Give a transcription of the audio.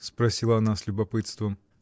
— спросила она с любопытством.